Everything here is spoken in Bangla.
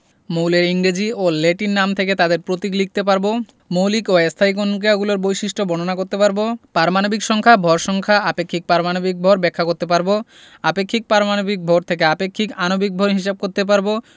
মৌলের ইংরেজি ও ল্যাটিন নাম থেকে তাদের প্রতীক লিখতে পারব মৌলিক ও স্থায়ী কণিকাগুলোর বৈশিষ্ট্য বর্ণনা করতে পারব পারমাণবিক সংখ্যা ভর সংখ্যা আপেক্ষিক পারমাণবিক ভর ব্যাখ্যা করতে পারব আপেক্ষিক পারমাণবিক ভর থেকে আপেক্ষিক আণবিক ভর হিসাব করতে পারব